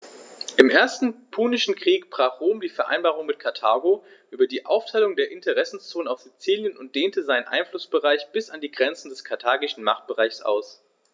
Im Ersten Punischen Krieg brach Rom die Vereinbarung mit Karthago über die Aufteilung der Interessenzonen auf Sizilien und dehnte seinen Einflussbereich bis an die Grenze des karthagischen Machtbereichs aus.